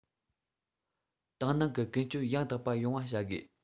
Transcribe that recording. ཏང ནང གི ཀུན སྤྱོད ཡང དག པ ཡོང བ བྱ དགོས